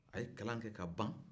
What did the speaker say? a ye kalan kɛ ka ban